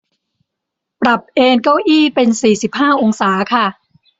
ปรับเอนเก้าอี้เป็นสี่สิบห้าองศาค่ะ